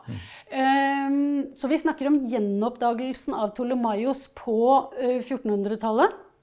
så vi snakker om gjenoppdagelsen av Ptolemaios på fjortenhundretallet.